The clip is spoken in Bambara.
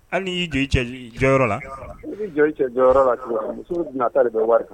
Hali y'i jɔ cɛ jɔyɔrɔ la ii jɔ cɛ jɔyɔrɔ la muso ta de bɛ wari